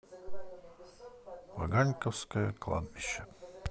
ваганьковское кладбище